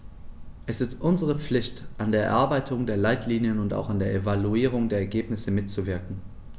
Es ist unsere Pflicht, an der Erarbeitung der Leitlinien und auch an der Evaluierung der Ergebnisse mitzuwirken.